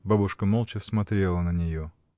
Бабушка молча смотрела на нее.